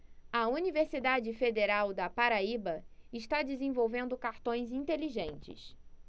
a universidade federal da paraíba está desenvolvendo cartões inteligentes